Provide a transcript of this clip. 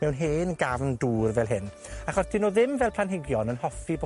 mewn hen gafn dŵr fel hyn, achos 'dyn nw ddim fel planhigion yn hoffi bo'